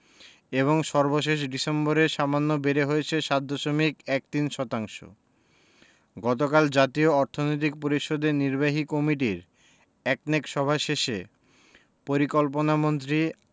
এবং সর্বশেষ ডিসেম্বরে সামান্য বেড়ে হয়েছে ৭ দশমিক ১৩ শতাংশ গতকাল জাতীয় অর্থনৈতিক পরিষদের নির্বাহী কমিটির একনেক সভা শেষে পরিকল্পনামন্ত্রী